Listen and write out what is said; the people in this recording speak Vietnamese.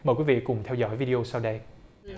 mời quý vị cùng theo dõi vi đi ô sau đây